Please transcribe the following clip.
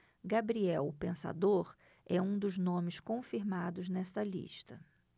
gabriel o pensador é um dos nomes confirmados nesta lista